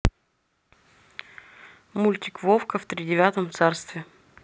мультик вовка в тридевятом царстве